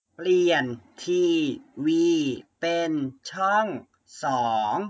เปลี่ยนทีวีเป็นช่องสอง